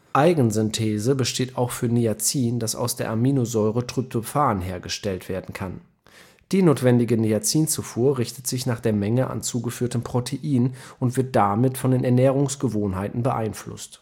Eigensynthese besteht auch für Niacin, das aus der Aminosäure Tryptophan hergestellt werden kann. Die notwendige Niacinzufuhr richtet sich nach der Menge an zugeführtem Protein und wird damit von den Ernährungsgewohnheiten beeinflusst